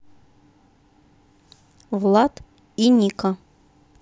влад и ника